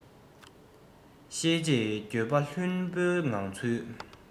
ཤེས རྗེས འགྱོད པ བླུན པོའི ངང ཚུལ